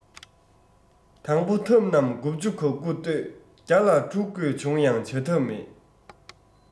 དང པོ ཐབས རྣམས དགུ བཅུ གོ དགུ གཏོད བརྒྱ ལ འཁྲུག དགོས བྱུང ཡང བྱ ཐབས མེད